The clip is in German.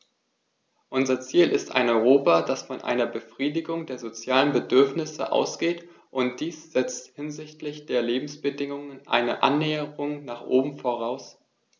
Unser Ziel ist ein Europa, das von einer Befriedigung der sozialen Bedürfnisse ausgeht, und dies setzt hinsichtlich der Lebensbedingungen eine Annäherung nach oben voraus.